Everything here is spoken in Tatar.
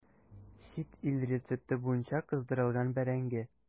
Чит ил рецепты буенча кыздырылган бәрәңге.